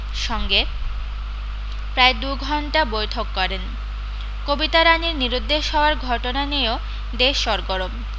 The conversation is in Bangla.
সঙ্গে প্রায় দু ঘণ্টা বৈঠক করেন কবিতা রানির নিরুদ্দেশ হওয়ার ঘটনা নিয়েও দেশ সরগরম